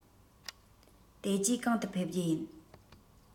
དེ རྗེས གང དུ ཕེབས རྒྱུ ཡིན